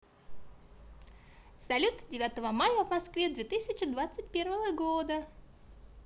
салют девятого мая в москве две тысячи двадцать первого года